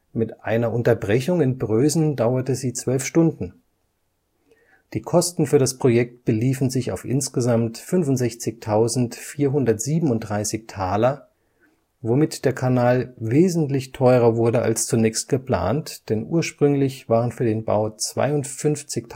Mit einer Unterbrechung in Prösen dauerte sie zwölf Stunden. Die Kosten für das Projekt beliefen sich auf insgesamt 65.437 Taler, womit der Kanal wesentlich teurer wurde als zunächst geplant, denn ursprünglich waren für den Bau 52.610